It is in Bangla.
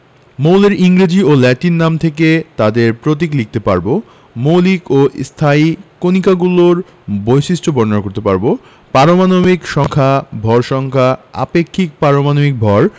মৌলের ইংরেজি ও ল্যাটিন নাম থেকে তাদের প্রতীক লিখতে পারব মৌলিক ও স্থায়ী কণিকাগুলোর বৈশিষ্ট্য বর্ণনা করতে পারব পারমাণবিক সংখ্যা ভর সংখ্যা আপেক্ষিক পারমাণবিক ভর